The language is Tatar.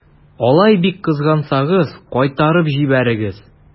Алай бик кызгансагыз, кайтарып җибәрегез.